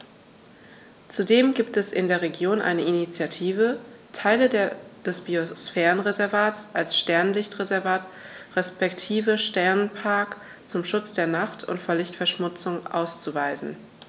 Zudem gibt es in der Region eine Initiative, Teile des Biosphärenreservats als Sternenlicht-Reservat respektive Sternenpark zum Schutz der Nacht und vor Lichtverschmutzung auszuweisen.